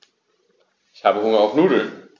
Ich habe Hunger auf Nudeln.